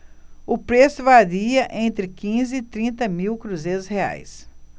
o preço varia entre quinze e trinta mil cruzeiros reais